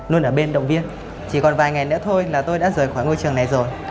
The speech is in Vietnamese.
luôn ở bên động viên chỉ còn vài ngày nữa thôi là tôi đã rời khỏi ngôi trường này rồi